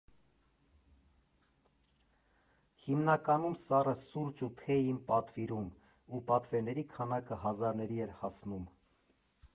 Հիմնականում սառը սուրճ ու թեյ էին պատվիրում, ու պատվերների քանակը հազարների էր հասնում։